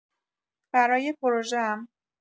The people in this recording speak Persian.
برای پروژه‌ام